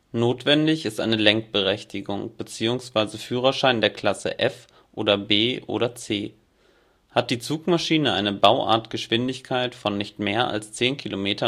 Notwendig ist eine Lenkberechtigung bzw. Führerschein der Klasse F oder B oder C. Hat die Zugmaschine eine Bauartgeschwindigkeit von nicht mehr als 10 km/h (und damit kein